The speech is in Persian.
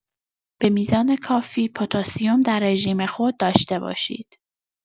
به میزان کافی پتاسیم در رژیم خود داشته باشید.